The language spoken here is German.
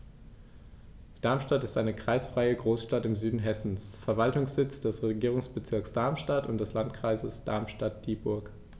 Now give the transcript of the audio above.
Darmstadt ist eine kreisfreie Großstadt im Süden Hessens, Verwaltungssitz des Regierungsbezirks Darmstadt und des Landkreises Darmstadt-Dieburg.